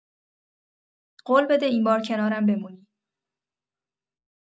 قول بده این‌بار کنارم بمونی